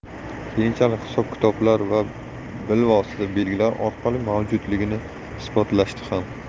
keyinchalik hisob kitoblar va bilvosita belgilar orqali mavjudligini isbotlashdi ham